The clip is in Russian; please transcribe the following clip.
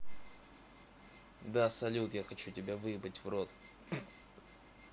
да салют я хочу тебя выебать в рот